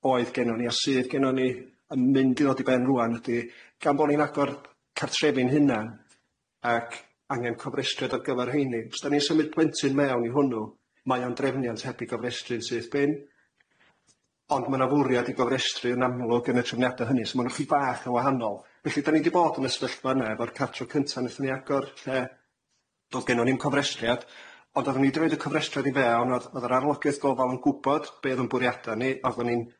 oedd gennon ni a sydd gennon ni yn mynd i ddod i ben rŵan ydi gan bo' ni'n agor cartrefi'n hunan ac angen cofrestriad ar gyfer rheini os 'dan ni'n symud plentyn mewn i hwnnw mae o'n drefniant heb i gofrestru'n syth bin, ond ma' 'na fwriad i gofrestru yn amlwg yn y trefniada hynny so ma' nhw chydig bach yn wahanol felly 'dan ni 'di bod yn y sefyllfa yna efo'r cartre cynta naethon ni agor lle do'dd gennon ni'm cofrestriad ond o'ddan ni 'di roid y cofrestriad i fewn o'dd o'dd yr Arolygiaeth Gofal yn gwbod be o'dd yn bwriada ni o'ddan ni'n